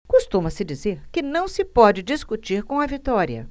costuma-se dizer que não se pode discutir com a vitória